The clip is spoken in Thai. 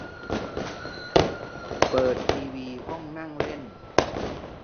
เปิดทีวีห้องนั่งเล่น